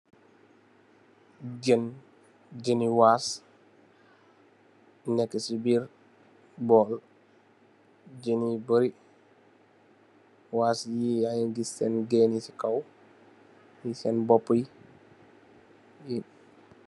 Jën, jëni waas nekka ci biir bool, jën yu bari. Waas ya ngi gës senn gèn yi ci kaw, yi senn boppu yi.